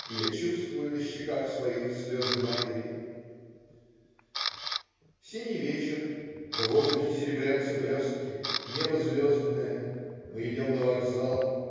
И я чувствую на щеках своих слезы матери. ... Синий вечер. В воздухе серебрятся блестки. Небо звездное. Мы идем на вокзал.